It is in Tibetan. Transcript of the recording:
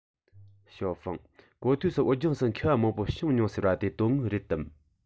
ཞའོ ཧྥུང གོ ཐོས སུ བོད ལྗོངས སུ མཁས པ མང པོ བྱུང མྱོང ཟེར བ དེ དོན དངོས རེད དམ